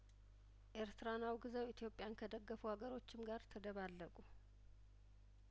ኤርትራን አውግዘው ኢትዮጵያን ከደገፉ አገሮችም ጋር ተደ ባለቁ